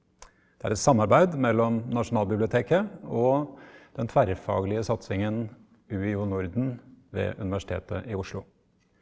det er et samarbeid mellom Nasjonalbiblioteket og den tverrfaglige satsingen UiO Norden ved Universitetet i Oslo.